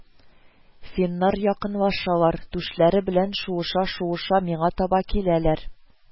Финнар якынлашалар, түшләре белән шуыша-шуыша миңа таба киләләр